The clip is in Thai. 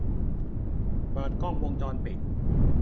เปิดกล้องวงจรปิด